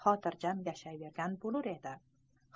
xotirjam yashayvergan bo'lur edi